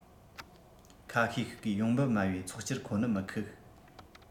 ཁ ཤས ཤིག གིས ཡོང འབབ དམའ བའི ཚོགས སྤྱིར ཁོ ནི མི ཁུགས